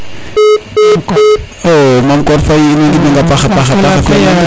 o Mame Cor Fay in woy ngidmana paaxa paax